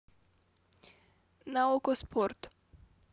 на окко спорт